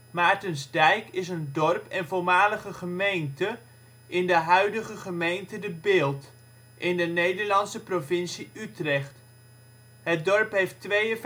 Maartensdijk is een dorp en voormalige gemeente in de huidige gemeente De Bilt, in de Nederlandse provincie Utrecht. Het dorp heeft 5280